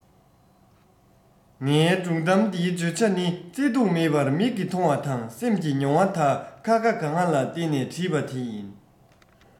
ངའི སྒྲུང གཏམ འདིའི བརྗོད བྱ ནི བརྩེ དུང མེད པར མིག གིས མཐོང བ དང སེམས ཀྱི མྱོང བ དག ཀ ཁ ག ང ལ བརྟེན ནས བྲིས པ དེ ཡིན